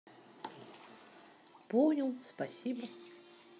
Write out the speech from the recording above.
понял спасибо